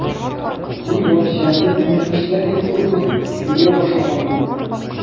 Бу ят җәнлек мине тешләр дип куркып йөгерә башлаган бу.